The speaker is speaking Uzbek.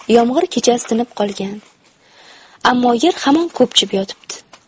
yomg'ir kechasi tinib qolgan ammo yer hamon ko'pchib yotibdi